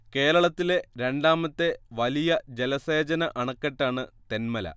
കേരളത്തിലെ രണ്ടാമത്തെ വലിയ ജലസേചന അണക്കെട്ടാണ് തെന്മല